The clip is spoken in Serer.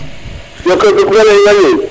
*